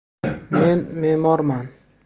men memormen